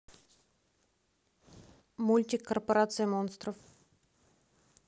мультик корпорация монстров